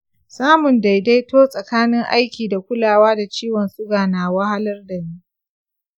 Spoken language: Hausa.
samun dai-daito tsakanin aiki da kulawa da ciwon suga na wahalar dani.